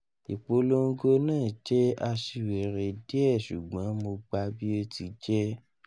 Ipolongo naa jẹ aṣiwere diẹ ṣugbọn mo gba bi o ti jẹ.